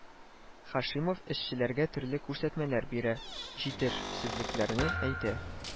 Һашимов эшчеләргә төрле күрсәтмәләр бирә, җитеш-сезлекләрне әйтә